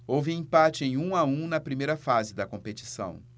houve empate em um a um na primeira fase da competição